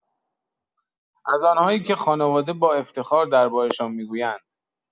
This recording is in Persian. از آن‌هایی که خانواده با افتخار درباره‌شان می‌گویند.